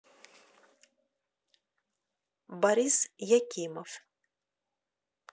борис якимов